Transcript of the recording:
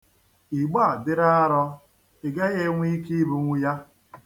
Igbe a dịrị arọ ị gaghi ̣enwe ike ibunwu ya.